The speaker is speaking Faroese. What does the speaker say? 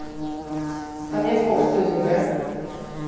kann eg fáa upplýsingar